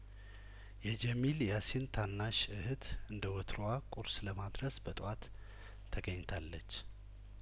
የጀሚል ያሲን ታናሽ እህት እንደወትሮዋ ቁርስ ለማድረስ በጠዋት ተገኝታለች